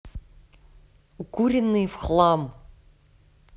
укуренные в хлам